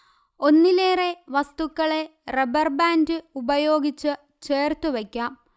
ഒന്നിലെറെ വസ്തുക്കളെ rubber band ഉപയോഗിച്ച് ചേർത്തു വയ്ക്കാം